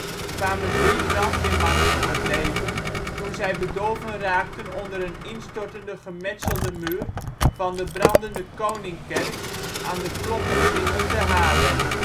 kwamen drie brandweermannen om het leven toen zij bedolven raakten onder een instortende gemetselde muur van de brandende Koningkerk aan de Kloppersingel te Haarlem